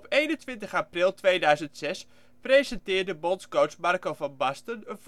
21 april 2006 presenteerde bondscoach Marco van Basten